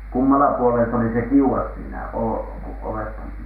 kummalla puolen se oli se kiuas siinä - ovesta -